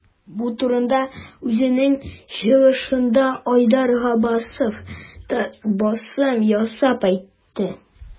Бу турыда үзенең чыгышында Айдар Габбасов та басым ясап әйтте.